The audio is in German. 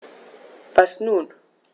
Was nun?